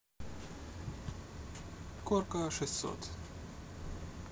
корка шестьсот